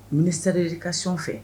Mini seri ka son fɛ